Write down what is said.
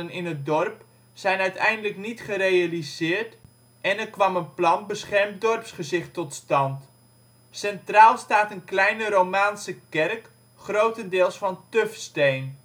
in het dorp zijn uiteindelijk niet gerealiseerd en er kwam een plan Beschemd Dorpsgezicht tot stand. Centraal staat een kleine romaanse kerk, grotendeels van tufsteen